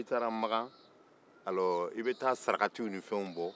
n'i taara maka alors i bɛ taa sarakatiw ni fɛnw bɔ